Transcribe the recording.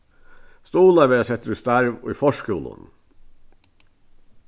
stuðlar verða settir í starv í forskúlum